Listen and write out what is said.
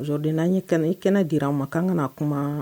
Musoden n ye kɛnɛ i kɛnɛ dira a ma kan kana kuma